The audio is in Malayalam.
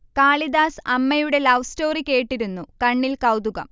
കാളിദാസ് അമ്മയുടെ ലവ് സ്റ്റോറി കേട്ടിരുന്നു കണ്ണിൽ കൗതുകം